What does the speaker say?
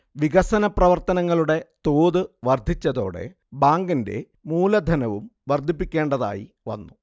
വികസന പ്രവർത്തനങ്ങളുടെ തോത് വർധിച്ചതോടെ ബാങ്കിന്റെ മൂലധനവും വർധിപ്പിക്കേണ്ടതായിവന്നു